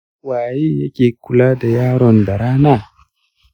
waye yake kula da yaron da rana?